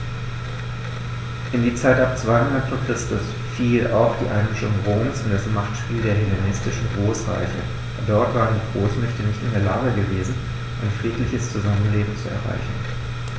In die Zeit ab 200 v. Chr. fiel auch die Einmischung Roms in das Machtspiel der hellenistischen Großreiche: Dort waren die Großmächte nicht in der Lage gewesen, ein friedliches Zusammenleben zu erreichen.